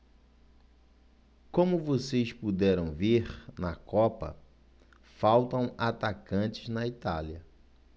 como vocês puderam ver na copa faltam atacantes na itália